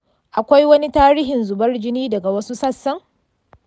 akwai wani tarihin zubar jini daga wasu sassan?